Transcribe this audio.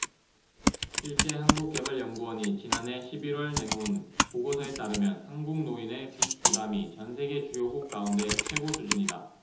실제 한국개발연구원이 지난해 십 일 월 내놓은 보고서에 따르면 한국 노인의 빚 부담이 전 세계 주요국 가운데 최고 수준이다